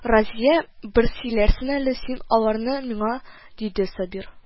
Разия, бер сөйләрсең әле син ал арны миңа, диде Сабир